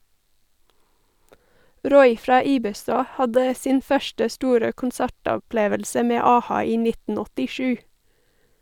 Roy fra Ibestad hadde sin første store konsertopplevelse med a-ha i 1987.